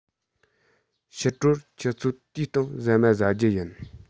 ཕྱི དྲོར ཆུ ཚོད དུའི སྟེང ཟ མ ཟ རྒྱུ ཡིན